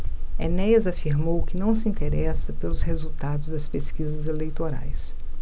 enéas afirmou que não se interessa pelos resultados das pesquisas eleitorais